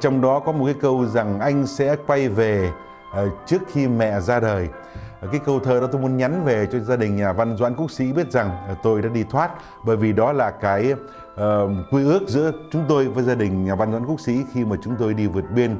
trong đó có một cái câu rằng anh sẽ quay về trước khi mẹ ra đời cái câu thơ đó tôi muốn nhắn về cho gia đình nhà văn doãn quốc sỹ biết rằng tôi đã đi thoát bởi vì đó là cái quy ước giữa chúng tôi với gia đình nhà văn doãn quốc sỹ khi mà chúng tôi đi vượt biên